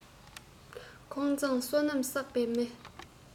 ཁོང མཛངས བསོད ནམས བསགས པའི མི